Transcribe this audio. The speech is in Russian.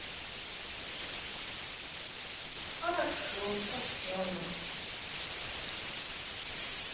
хорошо прощаю